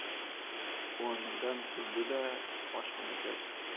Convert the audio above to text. o'rnidan turdida oshxonaga chiqdi